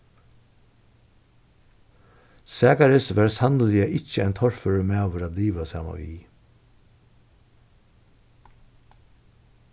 zakaris var sanniliga ikki ein torførur maður at liva saman við